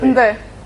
Yndi.